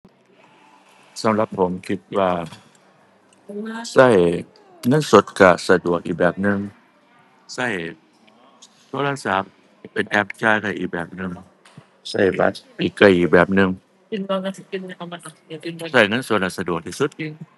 สำหรับผมคิดว่า ใช้เงินสดใช้สะดวกอีกแบบหนึ่ง ใช้โทรศัพท์เป็นแอปจ่ายใช้อีกแบบหนึ่ง ใช้บัตรนี่ใช้อีกแบบหนึ่ง ใช้เงินสดอะสะดวกที่สุด